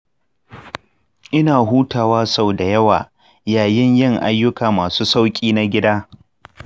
ina hutawa sau da yawa yayin yin ayyuka masu sauƙi na gida.